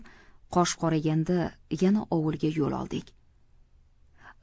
qosh qorayganda yana ovulga yo'l oldik